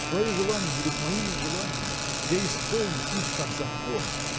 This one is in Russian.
– твои желания будут моими желаниями я исполню их как закон.